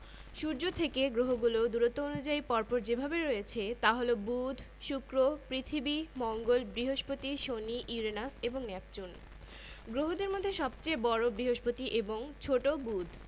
ভারতের সঙ্গে বাংলাদেশের বানিজ্যে সু সম্পর্ক রয়েছে ভারত পৃথিবীর বৃহত্তম গণতান্ত্রিক দেশ সংসদীয় গণতান্ত্রিক শাসন ব্যাবস্থা বহু বছর ধরে ভারতে সাফল্যের সঙ্গে কাজ করছে